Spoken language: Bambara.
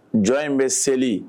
Jɔn in bɛ seli